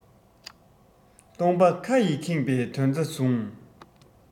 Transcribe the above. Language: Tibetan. སྟོང པ ཁ ཡིས ཁེངས པའི དོན རྩ བཟུང